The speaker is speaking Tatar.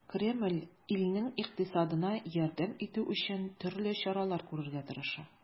Кремль илнең икътисадына ярдәм итү өчен төрле чаралар күрергә тырыша.